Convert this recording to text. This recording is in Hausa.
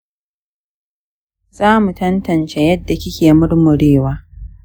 za mu tantance yadda kike murmurewa.